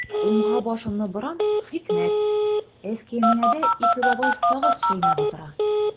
Уңга башымны борам– хикмәт: эскәмиядә ике бабай сагыз чәйнәп утыра.